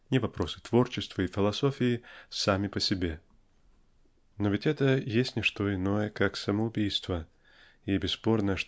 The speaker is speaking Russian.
ни вопросы творчества и философии сами по себе. Но ведь это есть не что иное как самоубийство и бесспорно